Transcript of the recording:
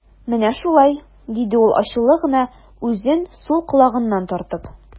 Менә шулай, - диде ул ачулы гына, үзен сул колагыннан тартып.